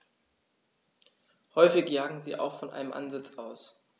Häufig jagen sie auch von einem Ansitz aus.